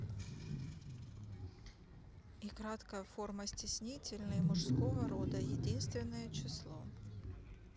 и краткая форма стеснительный мужского рода единственное число